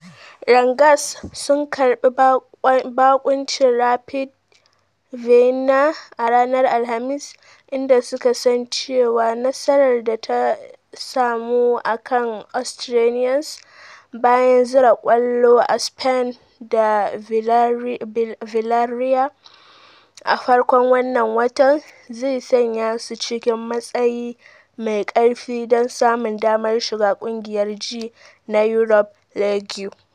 Rangers sun karbi bakuncin Rapid Vienna a ranar Alhamis, inda suka san cewa nasarar da ta samu a kan Austrians, bayan zira kwallo a Spain da Villarreal a farkon wannan watan, zai sanya su cikin matsayi mai karfi don samun damar shiga kungiyar G na Europa League.